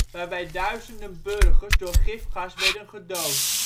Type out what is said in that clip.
waarbij duizenden burgers door gifgas werden gedood